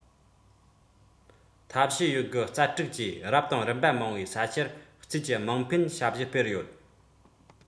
ཐབས ཤེས ཡོད རྒུ རྩལ སྤྲུགས ཀྱིས རབ དང རིམ པ མང བའི ས ཆར བརྩིས ཀྱི དམངས ཕན ཞབས ཞུ སྤེལ ཡོད